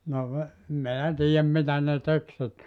no - en minä tiedä mitä ne teki sitten